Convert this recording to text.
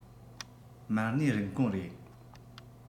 མ གནས རིན གོང རེད